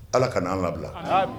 Ala ka n'an labila